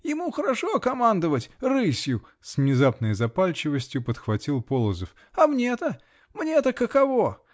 -- Ему хорошо командовать: "рысью!" -- с внезапной запальчивостью подхватил Полозов, -- а мне-то. мне-то каково?